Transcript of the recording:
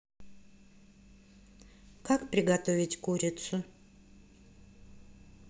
как приготовить курицу